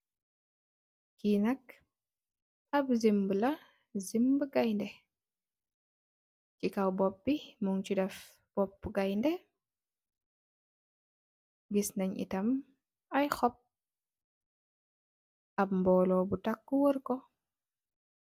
Kii nak ab simba la, simba, gained. Si kow bop bi nak, mung si def boopu gained. Gis nay tamit ay xob, ab mboolo bu takku wër ko.